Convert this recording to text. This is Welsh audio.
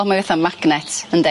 O mai fatha magnet yndi.